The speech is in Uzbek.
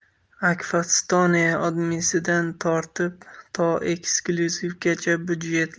akfa stone odmisidan tortib to eksklyuzivgacha budjetli